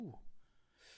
Ww.